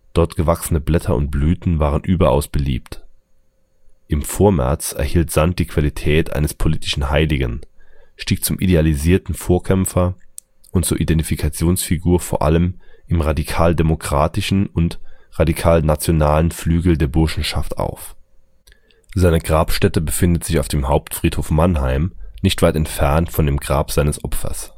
dort gewachsene Blätter und Blüten waren überaus beliebt. Im Vormärz erhielt Sand die Qualität eines politischen Heiligen, stieg zum idealisierten Vorkämpfer und zur Identifikationsfigur vor allem im radikaldemokratischen und - nationalen Flügel der Burschenschaft auf. Seine Grabstätte befindet sich auf dem Hauptfriedhof Mannheim, nicht weit entfernt von dem Grab seines Opfers